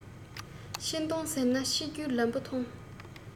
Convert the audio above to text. ཕྱིན གཏོང ཟེར ན ཕྱིན རྒྱུའི ལམ བུ ཐོང